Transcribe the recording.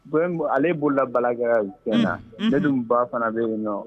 Problème ye min ye ale ye bolola baarakɛlan de ye, unhun, ne dun ba fana bɛ yen nɔn.